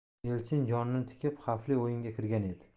elchin jonini tikib xavfli o'yinga kirgan edi